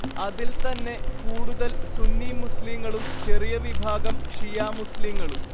അതിൽ തന്നെ കൂടുതൽ സുന്നി മുസ്ലിങ്ങളും ചെറിയ വിഭാഗം ഷിയാ മുസ്ലിങ്ങളും